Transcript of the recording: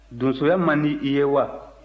donsoya man di i ye wa